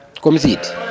comme siid .